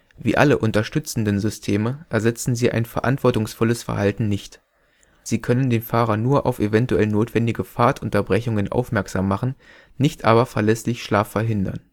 Wie alle unterstützenden Systeme ersetzen sie ein verantwortungsvolles Verhalten nicht. Sie können den Fahrer nur auf eventuell notwendige Fahrtunterbrechungen aufmerksam machen, nicht aber verlässlich Schlaf verhindern